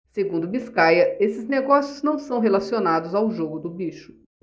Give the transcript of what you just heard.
segundo biscaia esses negócios não são relacionados ao jogo do bicho